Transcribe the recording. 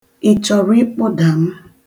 Ị chọrọ ikpụda m?